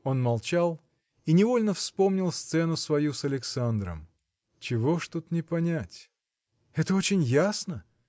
Он молчал и невольно вспомнил сцену свою с Александром. – Чего ж тут не понять? это очень ясно!